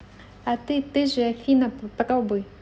а ты ты же афина попробуй